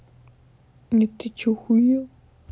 нет ты че охуел